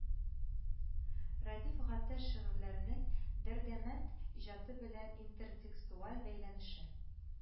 РӘДИФ ГАТАШ ШИГЫРЬЛӘРЕНЕҢ ДӘРДЕМӘНД ИҖАТЫ БЕЛӘН ИНТЕРТЕКСТУАЛЬ БӘЙЛӘНЕШЕ